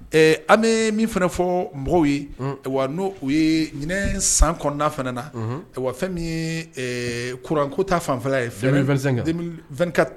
An mɔgɔw ye n' ye ɲin san kɔnɔn fana na fɛn kurankuta fanfɛ ye fɛn